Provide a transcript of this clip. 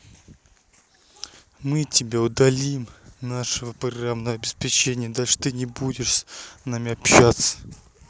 мы тебя удалим нашего программного обеспечения больше ты не будешь с нами общаться